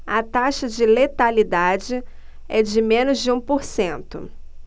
a taxa de letalidade é de menos de um por cento